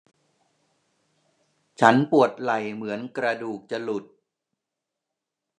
ฉันปวดไหล่เหมือนกระดูกจะหลุด